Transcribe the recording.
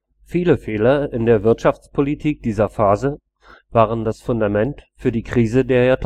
Viele Fehler in der Wirtschaftspolitik dieser Phase waren das Fundament für die Krise der